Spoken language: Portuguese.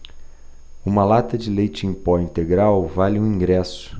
uma lata de leite em pó integral vale um ingresso